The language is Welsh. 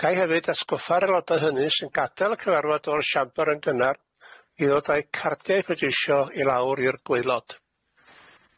Ga'i hefyd atgoffa'r aelodau hynny sy'n gadael y cyfarfod o'r siambr yn gynnar i ddod â'u cardiau pleidleisio i lawr i'r gwaelod.